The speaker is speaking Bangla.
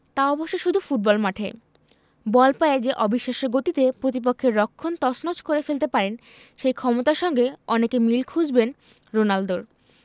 তা অবশ্য শুধু ফুটবল মাঠে বল পায়ে যে অবিশ্বাস্য গতিতে প্রতিপক্ষের রক্ষণ তছনছ করে ফেলতে পারেন সেই ক্ষমতার সঙ্গে অনেকে মিল খুঁজবেন রোনালদোর